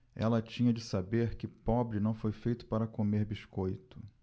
ela tinha de saber que pobre não foi feito para comer biscoito